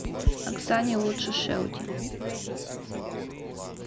оксане лучше шелти